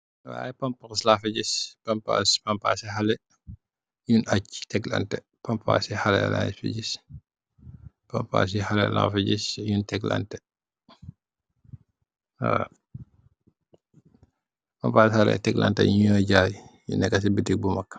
Ay pampas la fi ngis , pampas halè yun aj teglateh, pampas halè yun teglateh di ko jaay ci bitik bu mak.